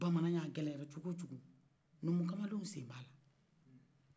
bamanaya a kɛlɛyala cɔgo numu kamalenw sen bala